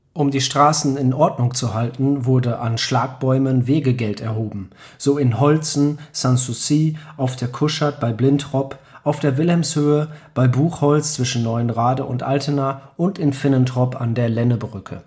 Um die Straßen in Ordnung zu halten, wurde an Schlagbäumen Wegegeld erhoben, so in Holzen, Sanssouci, auf der Kuschert bei Blintrop, auf der Wilhelmshöhe, bei Buchholz zwischen Neuenrade und Altena und in Finnentrop an der Lennebrücke